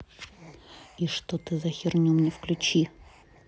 и что ты за херню мне включи